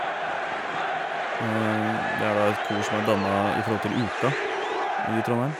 Det er da et kor som er danna i forhold til UKA i Trondheim.